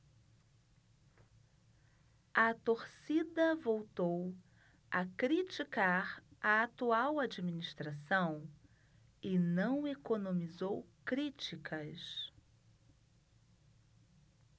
a torcida voltou a criticar a atual administração e não economizou críticas